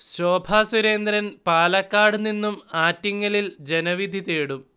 ശോഭസുരേന്ദ്രൻ പാലക്കാട് നിന്നും ആറ്റിങ്ങലിൽ ജനവിധി തേടും